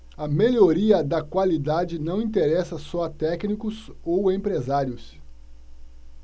a melhoria da qualidade não interessa só a técnicos ou empresários